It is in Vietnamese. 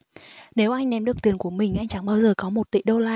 nếu anh đếm được tiền của mình anh chẳng bao giờ có một tỷ đô la